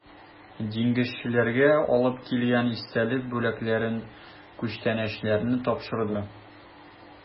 Диңгезчеләргә алып килгән истәлек бүләкләрен, күчтәнәчләрне тапшырды.